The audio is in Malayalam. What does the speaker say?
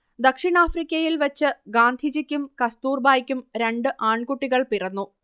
ദക്ഷിണാഫ്രിക്കയിൽ വച്ച് ഗാന്ധിജിക്കും കസ്തൂർബായ്ക്കും രണ്ട് ആൺകുട്ടികൾ പിറന്നു